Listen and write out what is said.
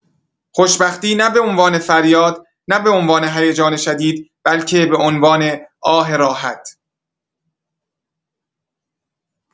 خوشبختی نه به‌عنوان فریاد، نه به‌عنوان هیجان شدید، بلکه به‌عنوان «آه راحت».